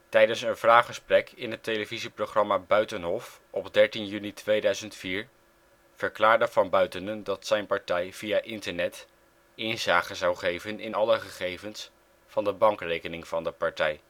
Tijdens een vraaggesprek in het televisieprogramma Buitenhof op 13 juni 2004, verklaarde Van Buitenen dat zijn partij via internet inzage zou geven in alle gegevens van de bankrekening van de partij